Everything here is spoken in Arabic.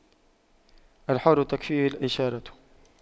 الحر تكفيه الإشارة